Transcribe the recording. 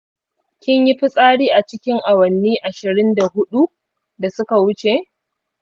kinyi fitsari a cikin awanni ashirin da huda da suka wuce?